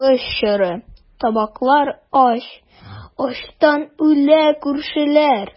Сугыш чоры, тамаклар ач, Ачтан үлә күршеләр.